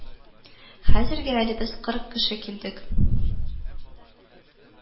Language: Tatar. Хәзергә әле без кырык кеше килдек